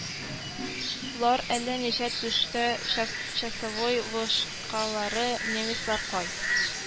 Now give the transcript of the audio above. Лар, әллә ничә төштә часовой вышкалары, немецлар кай